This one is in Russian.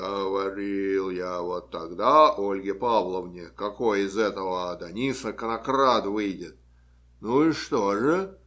- Говорил я вот тогда Ольге Павловне, какой из этого Адониса конокрад выйдет. Ну, и что же?